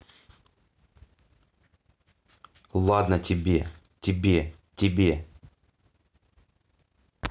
ладно тебе тебе тебе